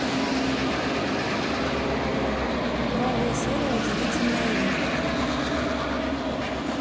новые серии удивительная ви